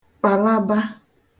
kpàlaba